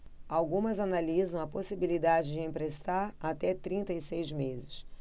algumas analisam a possibilidade de emprestar até trinta e seis meses